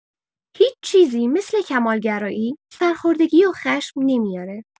هیچ چیزی مثل کمال‌گرایی سرخودگی و خشم نمیاره!